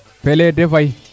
fele de Faye